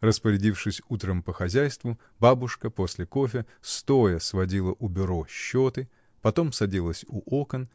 Распорядившись утром по хозяйству, бабушка, после кофе, стоя сводила у бюро счеты, потом садилась у окон